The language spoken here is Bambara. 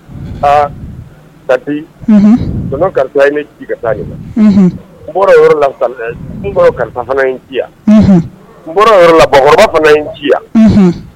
Aa kɔnɔ kalifa ci ka taa n yɔrɔ kalifa fana ci yan n lakɔrɔba fana in ci yan